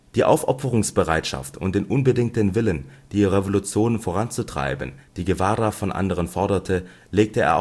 Die Aufopferungsbereitschaft und den unbedingten Willen, die Revolution voranzutreiben, die Guevara von anderen forderte, legte